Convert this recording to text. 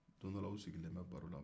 don dɔ la u sigilen bɛ baro la